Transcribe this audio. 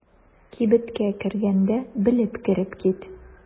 Кибеткә кергәндә белеп кереп кит.